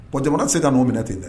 Bon jamana tise kan'u minɛ ten dɛ